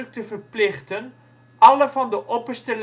te verplichten alle van de opperste